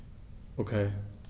Okay.